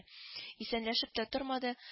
Исәнләшеп тә тормады